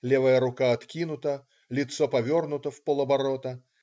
Левая рука откинута, лицо повернуто вполоборота.